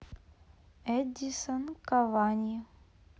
эддисон кавани